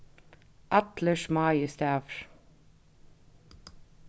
allir smáir stavir